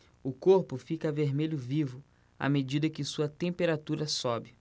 o corpo fica vermelho vivo à medida que sua temperatura sobe